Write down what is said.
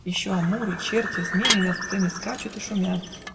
Еще амуры, черти, змеи На сцене скачут и шумят